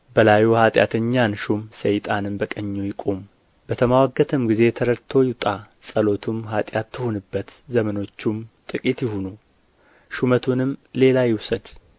በላዩ ኃጢአተኛን ሹም ሰይጣንም በቀኙ ይቁም በተምዋገተም ጊዜ ተረትቶ ይውጣ ጸሎቱም ኃጢአት ትሁንበት ዘመኖቹም ጥቂት ይሁኑ ሹመቱንም ሌላ ይውሰድ